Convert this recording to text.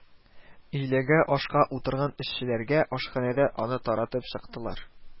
Өйләгә ашка утырган эшчеләргә ашханәдә аны таратып чыктылар